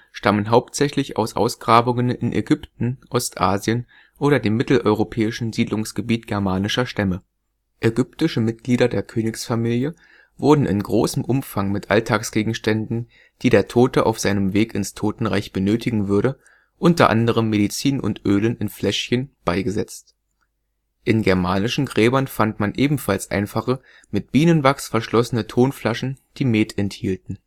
stammen hauptsächlich aus Ausgrabungen in Ägypten, Ostasien oder dem mitteleuropäischen Siedlungsgebiet germanischer Stämme. Ägyptische Mitglieder der Königsfamilie wurden in großem Umfang mit Alltagsgegenständen, die der Tote auf seinem Weg ins Totenreich benötigen würde, unter anderem Medizin und Ölen in Fläschchen, beigesetzt. In germanischen Gräbern fand man ebenfalls einfache, mit Bienenwachs verschlossene Tonflaschen, die Met enthielten